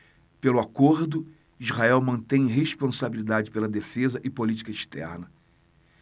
pelo acordo israel mantém responsabilidade pela defesa e política externa